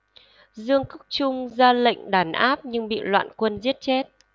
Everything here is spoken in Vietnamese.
dương quốc trung ra lệnh đàn áp nhưng bị loạn quân giết chết